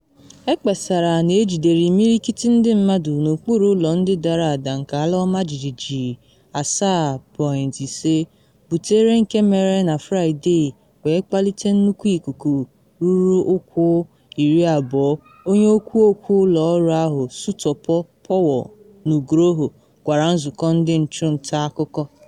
Ekpesara na ejidere imirikiti ndị mmadụ n’okpuru ụlọ ndị dara ada nke ala ọmajijiji 7.5 butere nke mere na Friday wee kpalite nnukwu ikuku ruru ụkwụ 20, onye okwu okwu ụlọ ọrụ ahụ Sutopo Purwo Nugroho gwara nzụkọ ndị nchụ nta akụkọ.